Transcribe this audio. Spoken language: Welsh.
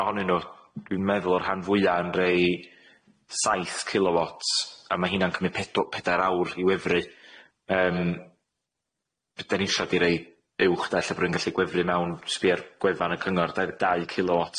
ohonyn nw dwi'n meddwl o'r rhan fwya' yn rei saith kilowatts a ma' heinna'n cymyd pedo- pedair awr i wefru yym be' dan ni isio di rei uwch de ella bod yn gallu gwefru mewn sbia'r gwefan y cyngor dau dau kilowat